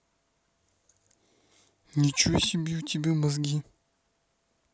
ничего себе у тебя мозги